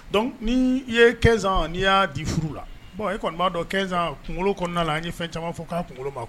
Donc nii i ye 15 ans n'i y'aa di furu la bon e kɔni b'a dɔn 15 ans kuŋolo kɔɔna la an ye fɛn caman fɔ k'a kuŋolo ma